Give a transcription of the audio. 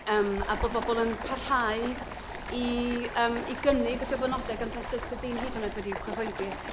yym a bod bobl yn parhau i yym i gynnig y dyfynodau am bethe sydd ddim hyd yn oed wedi i'w cyhoeddi eto.